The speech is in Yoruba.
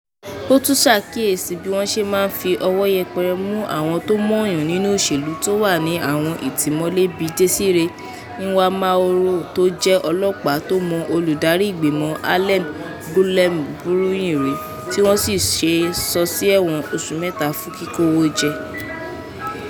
Ó tún ṣàkíyèsí bí wọn ṣe maá ń fi ọwọ́ yẹpẹrẹ mú àwọn tó mọ́ọ̀yàn nínú òṣèlú tó wà ní àwọn ìtìmọ́lé bìi Désiré Uwamahoro tó jẹ́ ọlọ́pàá tó mọ Olùdarí Ìgbìmọ̀ Alain Guillaume Bunyoni rí — tí wọ́n sọ sí ẹ̀wọ̀n oṣù mẹ́tà fún kíkówó jẹ.